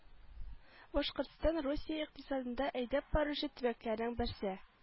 Башкортстан русия икътисадында әйдәп баручы төбәкләрнең берсе